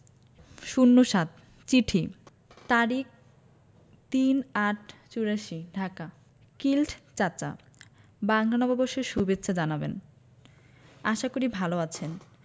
০৭ চিঠি তারিখ ৩-৮-৮৪ ঢাকা কিলট চাচা বাংলা নববর্ষের সুভেচ্ছা জানাবেন আশা করি ভালো আছেন